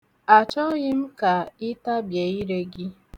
Achọghị ka ị tabie ire gị.